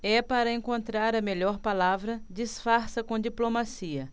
é para encontrar a melhor palavra disfarça com diplomacia